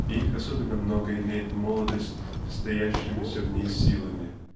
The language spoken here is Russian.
и их особенно много имеет молодость с Таящимися в ней силами.